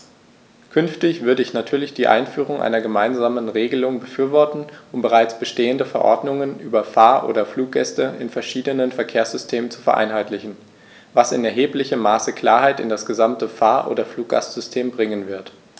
Künftig würde ich natürlich die Einführung einer gemeinsamen Regelung befürworten, um bereits bestehende Verordnungen über Fahr- oder Fluggäste in verschiedenen Verkehrssystemen zu vereinheitlichen, was in erheblichem Maße Klarheit in das gesamte Fahr- oder Fluggastsystem bringen wird.